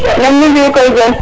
nam nu mbiyu koy Dione